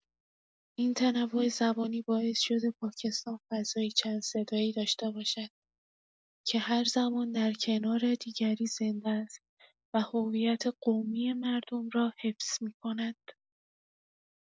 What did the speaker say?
این تنوع زبانی باعث شده پاکستان فضایی چندصدایی داشته باشد که هر زبان در کنار دیگری زنده است و هویت قومی مردم را حفظ می‌کند.